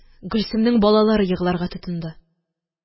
Гөлсемнең балалары егларга тотынды.